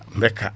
bekka